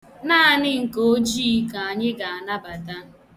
Naanị nke ojii ka anyị ga-anabata.